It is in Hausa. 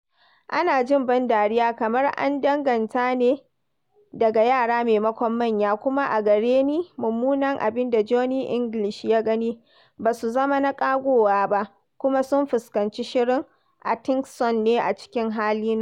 Ana jin ban dariyar kamar an danganta ne da ga yara maimakon manya, kuma a gare ni mummunan abin da Johnny English ya gani ba su zama na ƙagowa ba kuma sun fuskanci shirun Atkinson ne a cikin hali na Bean.